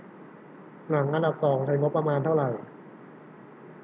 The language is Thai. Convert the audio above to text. หนังอันดับสองใช้งบประมาณเท่าไหร่